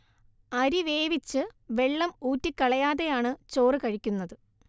അരി വേവിച്ച് വെള്ളം ഊറ്റിക്കളയാതെയാണ് ചോറ് കഴിക്കുന്നത്